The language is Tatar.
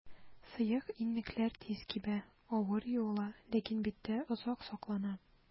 Сыек иннекләр тиз кибә, авыр юыла, ләкин биттә озак саклана.